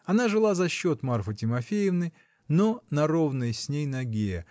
она жила на счет Марфы Тимофеевны, но на ровной с ней ноге